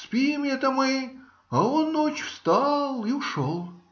Спим это мы, а он ночью встал и ушел.